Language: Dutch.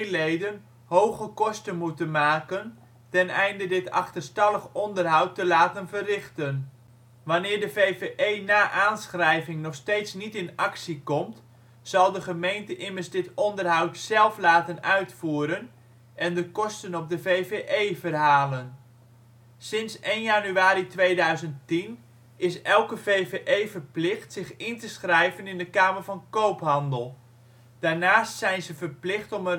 leden hoge kosten moeten maken teneinde dit achterstallig onderhoud te laten verrichten. Wanneer de VvE na aanschrijving nog steeds niet in actie komt, zal de gemeente immers dit onderhoud zelf (laten) uitvoeren en de kosten op de VvE verhalen. Sinds 1 januari 2010 is elke VvE verplicht zich in te schrijven bij de Kamer van Koophandel. Daarnaast zijn ze verplicht om